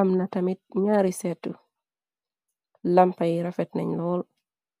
am na tamit ñaari setu, lampa yi rafet nañ lool.